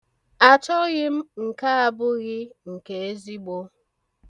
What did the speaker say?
Achọghị m nke abụghị nke ezigbo.